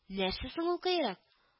Нәрсә соң ул койрык